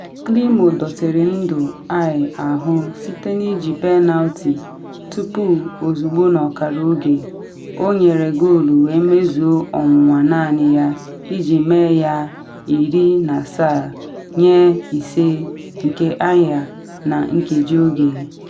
Climo dọtịrị ndu Ayr ahụ site na iji penalti, tupu, ozugbo n’ọkara oge, ọ nyere goolu wee mezuo ọnwụnwa naanị ya iji mee ya 17-5 nke Ayr na nkejioge.